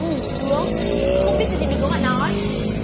ngủ nướng không biết gì thì đừng có mà nói